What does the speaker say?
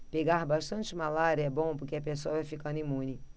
pegar bastante malária é bom porque a pessoa vai ficando imune